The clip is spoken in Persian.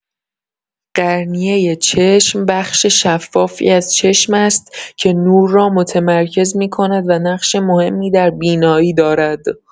قرنیه چشم بخش شفافی از چشم است که نور را متمرکز می‌کند و نقش مهمی در بینایی دارد.